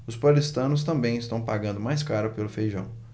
os paulistanos também estão pagando mais caro pelo feijão